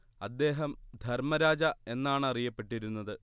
അദ്ദേഹം ധർമ്മരാജ എന്നാണറിയപ്പെട്ടിരുന്നത്